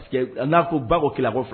N'a ko bako tilako filɛ